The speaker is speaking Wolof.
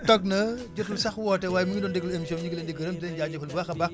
toog na jotul sax woote waaye mu ngi doon déglu émission bi ñu ngi leen di gërëm di leen jaajëfal bu baax a baax